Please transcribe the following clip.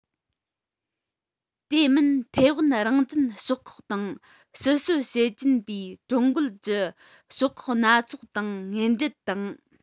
དེ མིན ཐའེ ཝན རང བཙན ཕྱོགས ཁག དང ཕྱི བྱོལ བྱེད ཀྱིན པའི ཀྲུང རྒོལ གྱི ཕྱོགས ཁག སྣ ཚོགས དང ངན འབྲེལ དང